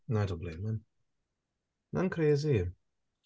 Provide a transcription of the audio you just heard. Na don't blame them ma'n crazy.